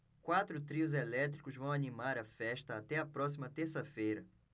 quatro trios elétricos vão animar a festa até a próxima terça-feira